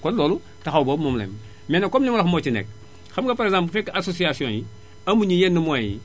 kon loolu taxaw boobu moom la am mais nag comme li ma la wax moo ci nekk xam nga par exemple bu fekkee ne association yi amuñu yenn moyens yi